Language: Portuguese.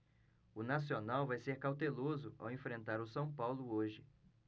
o nacional vai ser cauteloso ao enfrentar o são paulo hoje